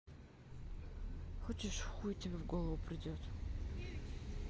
хочешь хуй тебе в голову придет